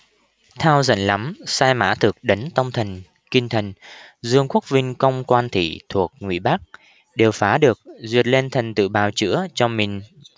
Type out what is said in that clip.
thao giận lắm sai mã thực đánh tông thành kinh thành dương quốc vinh công quan thị thuộc ngụy bác đều phá được duyệt lên thành tự bào chữa cho mình